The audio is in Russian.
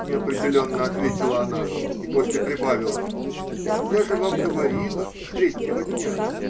-- неопределенно ответила она и после прибавила: -- я же вам говорила третьего дня.